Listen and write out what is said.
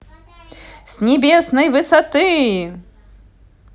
с небесной высоты